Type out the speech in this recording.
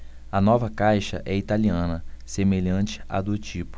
a nova caixa é italiana semelhante à do tipo